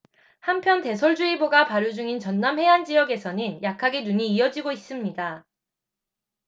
한편 대설주의보가 발효 중인 전남 해안 지역에서는 약하게 눈이 이어지고 있습니다